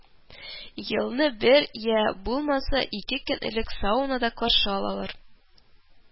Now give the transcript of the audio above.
Елны бер, йә булмаса ике көн элек саунада каршы алалар